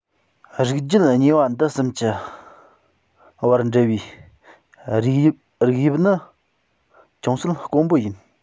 རིགས རྒྱུད གཉིས པ འདི གསུམ གྱི བར སྦྲེལ བའི རིགས དབྱིབས ནི ཅུང ཟད དཀོན པོ ཡིན